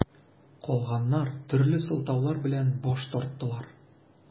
Калганнар төрле сылтаулар белән баш тарттылар.